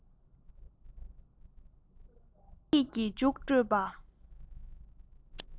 དབྱིན ཡིག གི རྒྱུགས སྤྲོད པ